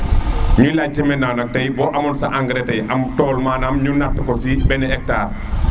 ñuy lace nak maintenant tay bo amoon sa engrais.fra tey am sa tool ñu nat ko ci ben hectar